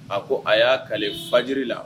A ko a y'a kale faji la